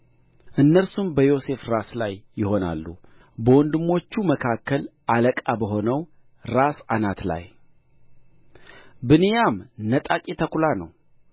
እነርሱም በዮሴፍ ራስ ላይ ይሆናሉ በወንድሞቹ መካከል አለቃ በሆነው ራስ አናት ላይ ብንያም ነጣቂ ተኵላ ነው